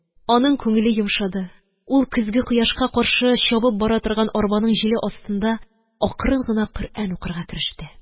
Аның күңеле йомшады, ул көзге кояшка каршы чабып бара торган арбаның җиле астында акрын гына Коръән укырга кереште.